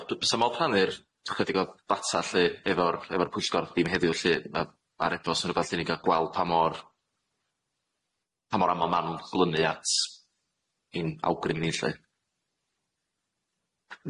Diolch d- bysa modd plannu'r ychydig o ddata lly efo'r pwyllgor ddim heddiw lly, ar ebost ne wbath i ni gal gweld pa mor, pa mor aml ma nhw'n glynny at ein awgrym ni lly.